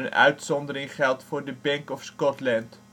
uitzondering geldt voor de Bank of Scotland